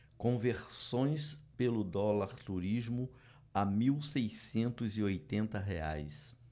conversões pelo dólar turismo a mil seiscentos e oitenta reais